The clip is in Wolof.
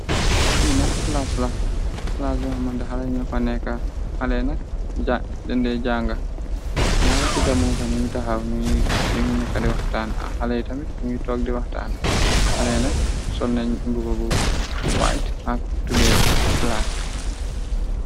Finak class la clas bohmante xxaleenak dende jànga ñaar tijamufa ñuy taxaw ño ngi nekka di waxtaan akxaley tamit ñuy tog di waxtaan xaleenak sol nañ ngubbu white ak tube bu black.